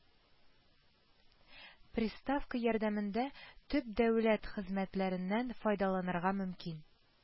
Приставка ярдәмендә төп дәүләт хезмәтләреннән файдаланырга мөмкин